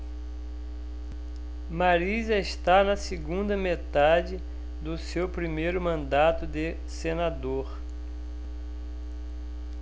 mariz está na segunda metade do seu primeiro mandato de senador